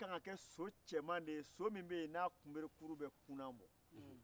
barisa dɔw cɛ mana bɔ sɔgɔma fɔ sufɛ de u bɛ don